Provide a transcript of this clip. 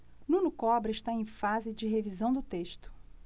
nuno cobra está em fase de revisão do texto